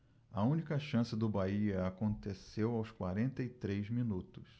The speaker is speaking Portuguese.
a única chance do bahia aconteceu aos quarenta e três minutos